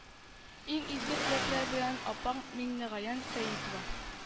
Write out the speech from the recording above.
Иң изге теләкләр белән апаң миңнегаян сәетова